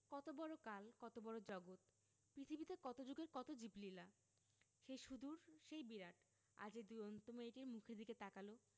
কত বড় কাল কত বড় জগত পৃথিবীতে কত যুগের কত জীবলীলা সেই সুদূর সেই বিরাট আজ এই দুরন্ত মেয়েটির মুখের দিকে তাকাল